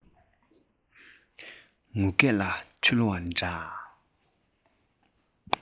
ངུ སྐད ལ འཁྲུལ བ འདྲ